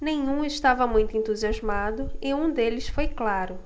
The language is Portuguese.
nenhum estava muito entusiasmado e um deles foi claro